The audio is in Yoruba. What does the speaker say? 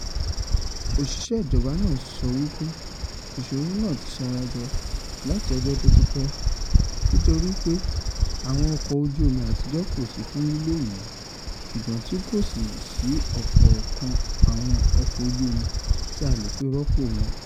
Òṣìṣẹ́ ìjọba náà sọ wípé ìṣòro náà ti ṣarajọ láti ọ́jọ́ tó ti pẹ́, nítorípé àwọn ọkọ̀ ojú omi àtijọ́ kò sí fún lílò mọ́ ṣùgbọ́n tí kò sì sí ọ̀kankan àwọn ọkọ̀ ojú omi tí a le fi rọ́pò wọn.